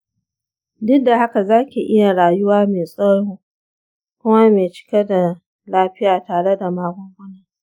duk da haka zaki iya rayuwa mai tsawo kuma mai cike da lafiya tare da magungunan.